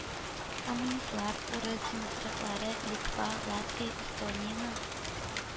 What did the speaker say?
Коммунистлар, урыс демократлары Литва, Латвия, Эстониянең